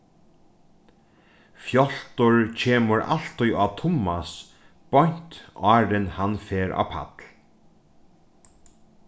fjáltur kemur altíð á tummas beint áðrenn hann fer á pall